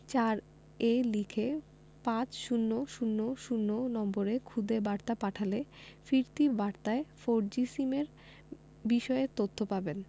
৪ এ লিখে পাঁচ শূণ্য শূণ্য শূণ্য নম্বরে খুদে বার্তা পাঠালে ফিরতি বার্তায় ফোরজি সিমের বিষয়ে তথ্য পাবেন